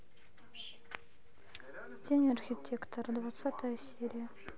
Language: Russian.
тень архитектора двадцатая серия